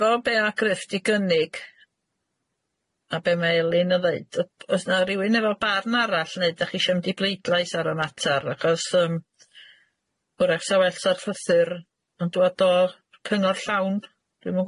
Efo be' a Griff di gynnig a be' ma' Elin yn ddeud yy o's na rywun efo barn arall neu' dach chi isio mynd i pleidlais ar y mater achos yym wrach sa well sa llythyr yn dod o cyngor llawn dwi'm yn